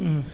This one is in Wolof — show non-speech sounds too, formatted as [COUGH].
[HESITATION] [HESITATION]